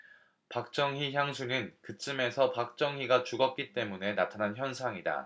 박정희 향수는 그쯤에서 박정희가 죽었기 때문에 나타난 현상이다